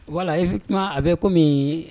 Voilà effectivement a bɛ comme